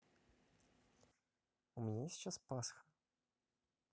у нас сейчас пасха